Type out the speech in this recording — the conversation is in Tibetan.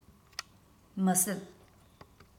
མི སྲིད